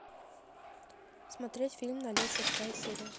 смотреть фильм налет шестая серия